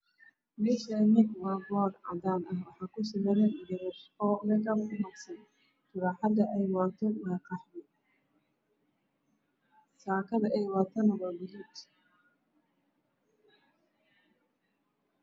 Meeshaan waa boor cadaan ah waxaa kusawiran gabar oo make up umarsan. Taraaxada ay wadato waa qaxwi. Saakada ay wadato waa qaxwi.